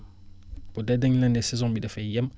bu dee dañ la ne saison bi dafay yam